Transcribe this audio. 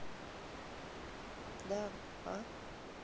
да а